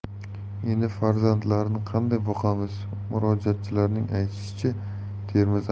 endi farzandlarni qanday boqamiz murojaatchilarning aytishicha termiz